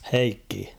Heikki